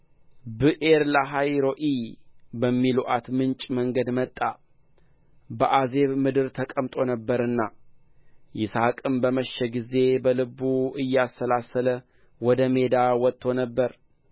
ብኤርለሃይሮኢ በሚሉአት ምንጭ መንገድ መጣ በአዜብ ምድር ተቀምጦ ነበርና ይስሐቅም በመሸ ጊዜ በልቡ እያሰላሰለ ወደ ሜዳ ወጥቶ ነበር